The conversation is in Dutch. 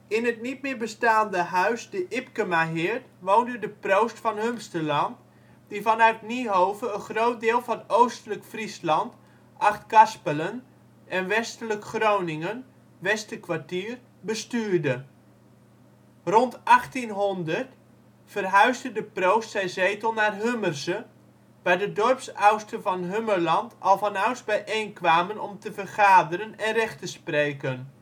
In het (niet meer bestaande) huis de Ipkemaheerd woonde de proost van Humsterland, die vanuit Niehove een groot deel van oostelijk Friesland (Achtkarspelen) en westelijk Groningen (Westerkwartier) bestuurde. Rond 1200 verhuisde de proost zijn zetel naar Hummerze, waar de dorpsoudsten van Humsterland al vanouds bijeenkwamen om te vergaderen en recht te spreken